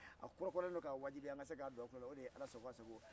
a kura kurayalen don k'a wajibiya n ka se k'a don aw tulo la o de ye ala sago aw sago